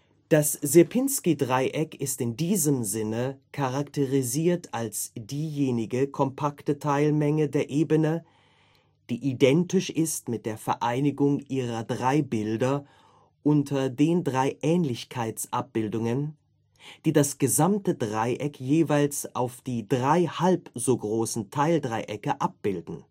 Das Sierpinski-Dreieck ist in diesem Sinne charakterisiert als diejenige kompakte Teilmenge der Ebene, die identisch ist mit der Vereinigung ihrer drei Bilder unter den drei Ähnlichkeitsabbildungen, die das gesamte Dreieck jeweils auf die drei halb so großen Teildreiecke abbilden